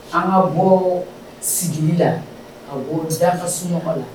An ka bɔ sigi la ka bɔ di an ka soɔgɔ la